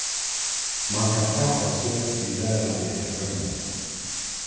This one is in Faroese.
mann kann tapa seg við bara at eta grønmeti